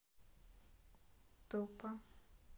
тупо